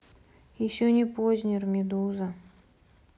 еще не познер медуза